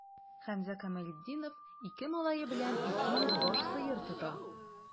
Хәмзә Камалетдинов ике малае белән 200 баш сыер тота.